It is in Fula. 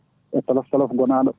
e tolof tolof gonaɗo